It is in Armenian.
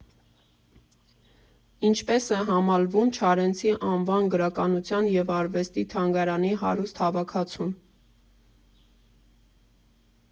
Ինչպես է համալրվում Չարենցի անվան գրականության և արվեստի թանգարանի հարուստ հավաքածուն։